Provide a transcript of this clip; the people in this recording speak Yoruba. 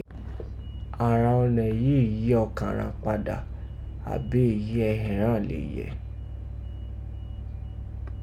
àghan ọnẹ yìí éè yi okan ghan dà abi èyí ẹhẹ̀ ghan éè lè yẹ̀